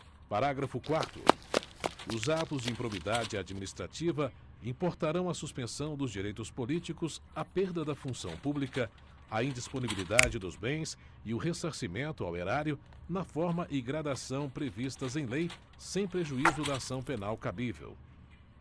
parágrafo quarto os atos de improbidade administrativa importarão a suspensão dos direitos políticos a perda da função pública a indisponibilidade dos bens e o ressarcimento ao erário na forma e gradação previstas em lei sem prejuízo da ação penal cabível